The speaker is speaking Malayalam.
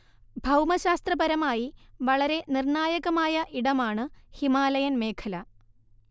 ഭൗമശാസ്ത്രപരമായി വളരെ നിർണായകമായ ഇടമാണ് ഹിമാലയൻ മേഖല